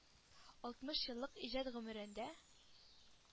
Алтмыш еллык иҗат гомерендә